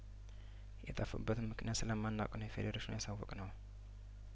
የጠፉበትንም ምክንያት ስለማናውቅ ነው ለፌዴሬሽኑ ያሳ ወቅነው